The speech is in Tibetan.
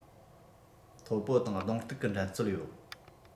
ཐའོ པའོ དང གདོང གཏུག གི འགྲན རྩོད ཡོད